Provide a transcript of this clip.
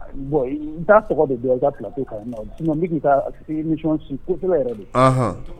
Bɔn n t taa tɔgɔ de bila i kalati ka bɛ taasi kofɛ yɛrɛ de